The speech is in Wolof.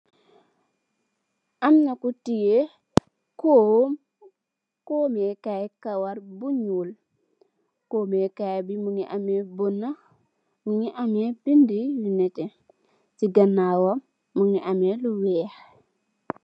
Amna ku teye kome komeh kaye kawar bu nuul komeh kaye be muge ameh bona muge ameh bede yu neteh se ganawam muge ameh lu weex.